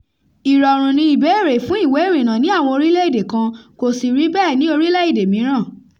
Ìrọ̀rùn ni ìbéèrè fún ìwé ìrìnnà ní àwọn orílẹ̀-èdè kan, kò sì rí bẹ́ẹ̀ ní orílẹ̀-èdè mìíràn.